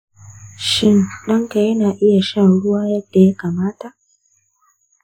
shin ɗanka yana iya shan ruwa yadda ya kamata?